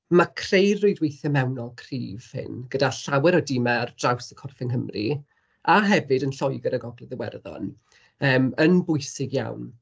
Ma' creu rwydweithiau mewnol cryf hyn, gyda llawer o dimau ar draws y corff yng Nghymru, a hefyd yn Lloegr a Gogledd Iwerddon, yym yn bwysig iawn.